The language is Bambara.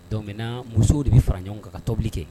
Donminɛna musow de bɛ fara ɲɔgɔn kan ka tobilike